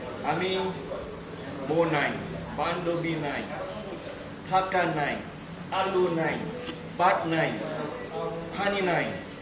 আমি বউ নাই বান্ধবী নাই টাকা নাই আলো নাই ভাত নাই পানি নাই